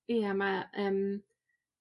Ia ma' yym